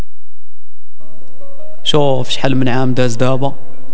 شوف حل من عذابه